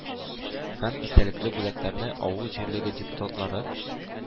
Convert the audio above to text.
Һәм истәлекле бүләкләрне авыл җирлеге депутатлары